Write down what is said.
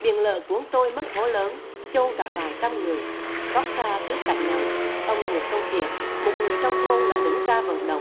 biển lở cuốn trôi mất hố lớn chôn cả vài trăm người xót xa trước cảnh này ông nguyễn công thiện một người trong thôn đã đứng ra vận động